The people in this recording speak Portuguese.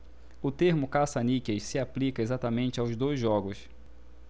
o termo caça-níqueis se aplica exatamente aos dois jogos